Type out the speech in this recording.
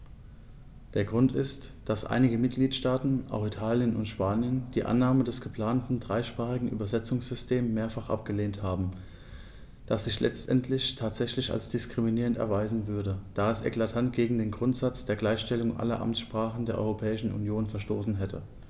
Der Grund ist, dass einige Mitgliedstaaten - auch Italien und Spanien - die Annahme des geplanten dreisprachigen Übersetzungssystems mehrfach abgelehnt haben, das sich letztendlich tatsächlich als diskriminierend erweisen würde, da es eklatant gegen den Grundsatz der Gleichstellung aller Amtssprachen der Europäischen Union verstoßen hätte.